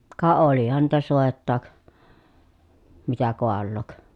ka olihan niitä soitakin mitä kaaloa